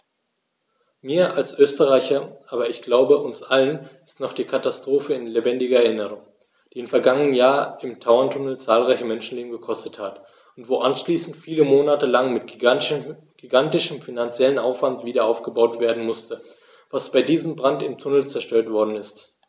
Mir als Österreicher, aber ich glaube, uns allen ist noch die Katastrophe in lebendiger Erinnerung, die im vergangenen Jahr im Tauerntunnel zahlreiche Menschenleben gekostet hat und wo anschließend viele Monate lang mit gigantischem finanziellem Aufwand wiederaufgebaut werden musste, was bei diesem Brand im Tunnel zerstört worden ist.